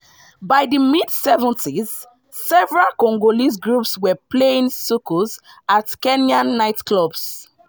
By the mid-seventies, several Congolese groups were playing soukous at Kenyan nightclubs.